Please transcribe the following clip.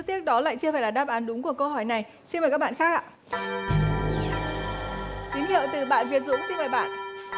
tiếc đó lại chưa phải là đáp án đúng của câu hỏi này xin mời các bạn khác tín hiệu từ bạn việt dũng xin mời bạn